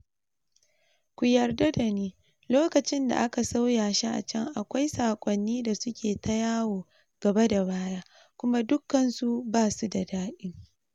Ku yarda dani, lokacin da aka sauya shi a can akwai sakonni da suke ta yawo gaba da baya kuma dukansu ba su da dadi.